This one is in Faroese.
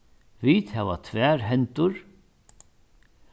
vit hava tvær hendur